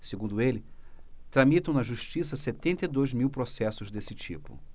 segundo ele tramitam na justiça setenta e dois mil processos desse tipo